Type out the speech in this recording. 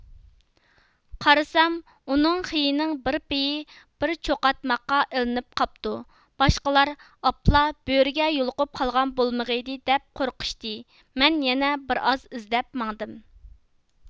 قارىسام ئۇنىڭ خېيىنىڭ بىر پېيى بىر چوقاتماققا ئىلىنىپ قاپتۇ باشقىلار ئاپلا بۆرىگە يولۇقۇپ قالغان بولمىغيىدى دەپ قورقۇشتى مەن يەنە بىرئاز ئىزدەپ ماڭدىم